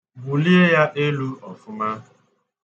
Bulie ya elu ọfụma.